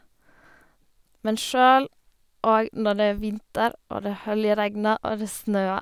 Men sjøl òg når det er vinter, og det høljregner, og det snør.